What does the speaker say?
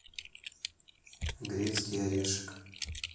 грецкий орешек